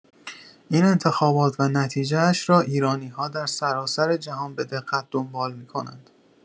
این انتخابات و نتیجه‌اش را ایرانی‌‌ها در سراسر جهان به‌دقت دنبال می‌کنند.